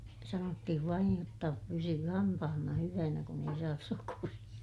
sanottiin vain jotta pysyy hampaanne hyvänä kun ei saa sokeria